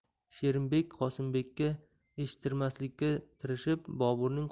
sherimbek qosimbekka eshittirmaslikka tirishib boburning